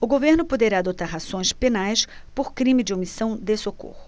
o governo poderá adotar ações penais por crime de omissão de socorro